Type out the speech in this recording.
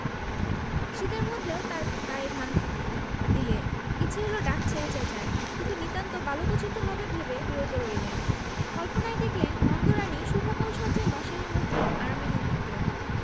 শীতের মধ্যেও তাঁর গায়ে ঘাম দিলে ইচ্ছে হলো ডাক ছেড়ে চেঁচান কিন্তু নিতান্ত বালকোচিত হবে ভেবে বিরত রইলেন কল্পনায় দেখলেন নন্দরানী সুকোমল শয্যায় মশারির মধ্যে আরামে নিদ্রিত